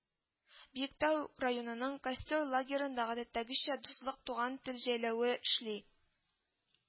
Биектау районының костер лагерында гадәттәгечә Дуслык туган тел җәйләве эшли